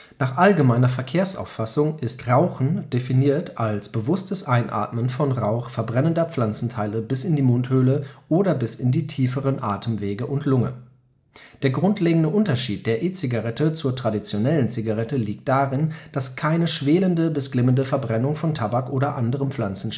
Nach „ allgemeiner Verkehrsauffassung “ist Rauchen definiert als „ bewusstes Einatmen von Rauch verbrennender Pflanzenteile bis in die Mundhöhle oder bis in die tieferen Atemwege und Lunge “. Der grundlegende Unterschied der E-Zigarette zur traditionellen Zigarette liegt darin, dass keine schwelende bis glimmende Verbrennung von Tabak oder anderen Pflanzen